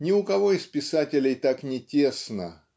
Ни у кого из писателей так не тесно